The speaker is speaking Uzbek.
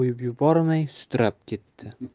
yubormay sudrab ketdi